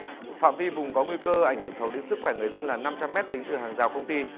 phạm vi vùng có nguy cơ ảnh hưởng xấu đến sức khỏe người dân là năm trăm mét tính từ hàng rào công ty